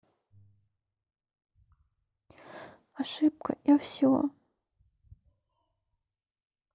ошибка и все